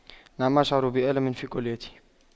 نعم أشعر بألم في كليتي